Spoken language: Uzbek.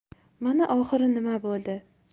mana oxiri nima bo'ldi